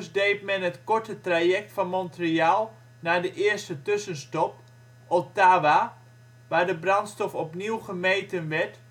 deed men het korte traject van Montréal naar de eerste tussenstop, Ottawa, waar de brandstof opnieuw gemeten werd